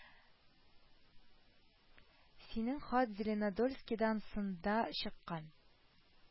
Синең хат Зеленодольскидан сында чыккан,